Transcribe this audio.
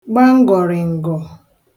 gba ngọ̀rịǹgọ̀